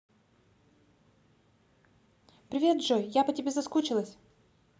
привет джой я по тебе соскучилась